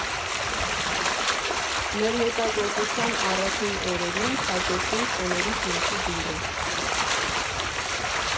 Մեր հետազոտության առաջին օրերին թակեցինք տներից մեկի դուռը.